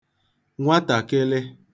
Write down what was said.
nwatàkịlị